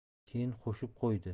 keyin qo'shib qo'ydi